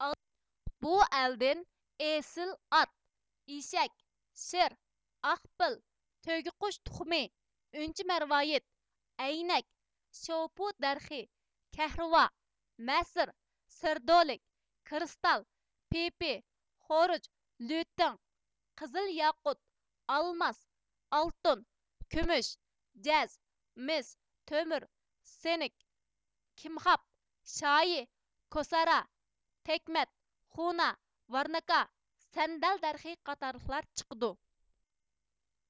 بۇ ئەلدىن ئېسىل ئات ئېشەك شىر ئاق پىل تۆگىقۇش تۇخۇمى ئۈنچە مەرۋايىت ئەينەك شوۋپۇ دەرىخى كەھرىۋا مەسر سېردولىك كىرىستال پىپى خورۇج لۈتېڭ قىزىل ياقۇت ئالماس ئالتۇن كۈمۈش جەز مىس تۆمۈر سىنىك كىمخاپ شايى كوسارا تېكمەت خۇنا ۋارناكا سەندەل دەرىخى قاتارلىقلار چىقىدۇ